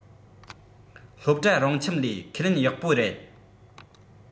སློབ གྲྭ རང ཁྱིམ ལས ཁས ལེན ཡག པོ རེད